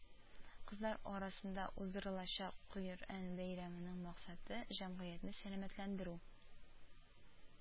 Кызлар арасында уздырылачак Коръән бәйгесенең максаты җәмгыятъне сәламәтләндерү